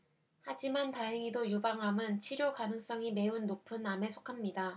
하지만 다행히도 유방암은 치료 가능성이 매우 높은 암에 속합니다